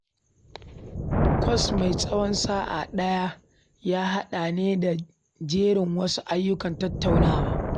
Kwas mai tsawon sa’a ɗayan ya haɗa ne da jerin wasu ayyukan tattaunawa.